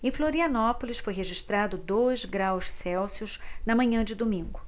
em florianópolis foi registrado dois graus celsius na manhã de domingo